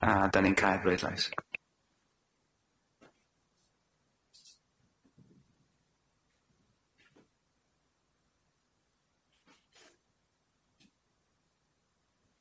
A 'dan ni'n cau'r bleudlais.